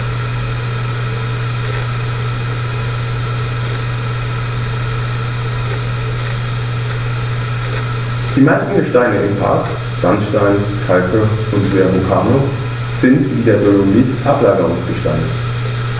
Die meisten Gesteine im Park – Sandsteine, Kalke und Verrucano – sind wie der Dolomit Ablagerungsgesteine.